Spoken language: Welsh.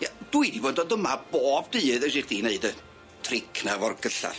Ie, dwi di fod o dyma bob dydd es i chdi neud y tric na for gyllall.